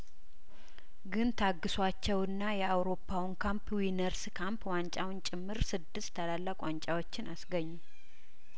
ግን ታግሷቸውና የአውሮፓውን ካምፕ ዊነር ስካምፕ ዋንጫውን ጭምር ስድስት ታላላቅ ዋንጫዎችን አስገኙ